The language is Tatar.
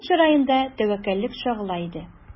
Аның чыраенда тәвәккәллек чагыла иде.